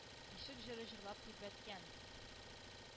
Бишек җыры җырлап тирбәткән.